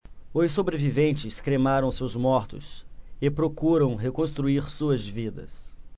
os sobreviventes cremaram seus mortos e procuram reconstruir suas vidas